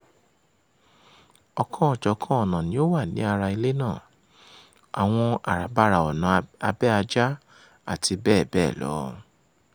Ọ̀kanòjọ̀kan ọnà ni ó wà ní ara ilé náà — àwọn àràbarà ọnà abẹ́ àjà àti bẹ́ẹ̀ bẹ́ẹ̀ lọ.